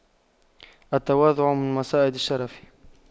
التواضع من مصائد الشرف